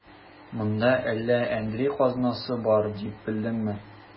Монда әллә әндри казнасы бар дип белдеңме?